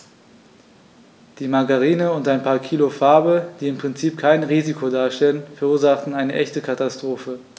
Die Margarine und ein paar Kilo Farbe, die im Prinzip kein Risiko darstellten, verursachten eine echte Katastrophe.